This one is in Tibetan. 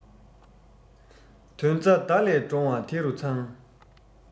དོན རྩ མདའ ལས འདྲོང བ དེ རུ ཚང